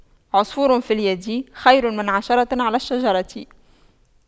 عصفور في اليد خير من عشرة على الشجرة